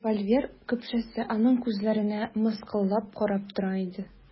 Револьвер көпшәсе аның күзләренә мыскыллап карап тора иде.